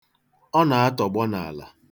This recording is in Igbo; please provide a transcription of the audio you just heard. Ọ na-atọgbọ n'ala.